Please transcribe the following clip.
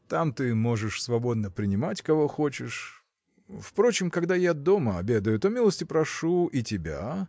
Там ты можешь свободно принимать кого хочешь. Впрочем когда я дома обедаю то милости прошу и тебя